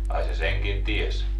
ai se senkin tiesi